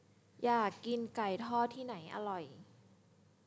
อยากกินไก่ทอดที่ไหนอร่อย